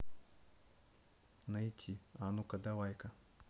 найти а ну ка давай ка